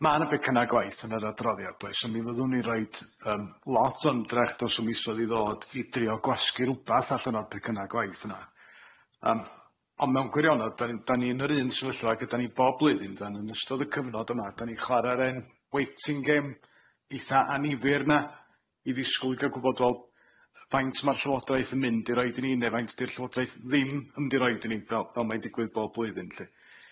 Ma' na becynna gwaith yn yr adroddiad does so mi fyddwn ni roid yym lot o ymdrech dos y misoedd i ddod i drio gwasgu rwbath allan o'r becynna gwaith yna yym ond mewn gwirionedd dan ni'n- dan ni yn yr un sefyllfa gyda ni bob blwyddyn 'dan yn ystod y cyfnod yma dan ni'n chware'r 'en waiting game eitha annifyr 'na i ddisgwyl i gal gwbod wel faint ma'r llywodraeth yn mynd i roid i ni ne' faint di'r llywodraeth ddim yn mynd i roid i ni fel- fel mai'n digwydd bob blwyddyn 'lly.